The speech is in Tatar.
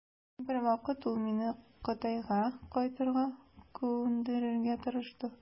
Бер вакыт ул мине Кытайга кайтырга күндерергә тырышты.